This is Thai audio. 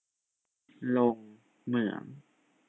ลงเหมือง